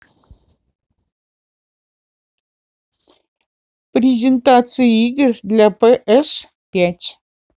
презентация игр для пс пять